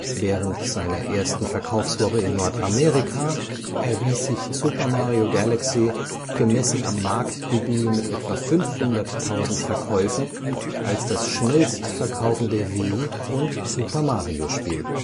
Während seiner ersten Verkaufswoche in Nordamerika erwies sich Super Mario Galaxy gemessen am Marktdebüt mit etwa 500.000 Verkäufen als das schnellstverkaufende Wii - und Super-Mario-Spiel